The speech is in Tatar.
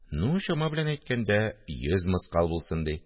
– ну, чама белән әйткәндә, йөз мыскал булсын ди